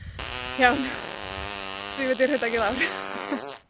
Iawn. Dwi wedi rhedag i lawr.